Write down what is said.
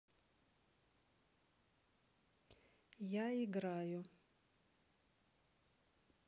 я играю